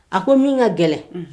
A ko min ka gɛlɛn, unhun.